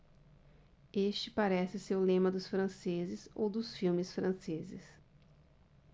este parece ser o lema dos franceses ou dos filmes franceses